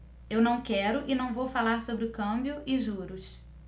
eu não quero e não vou falar sobre câmbio e juros